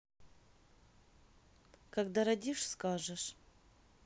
когда родишь скажешь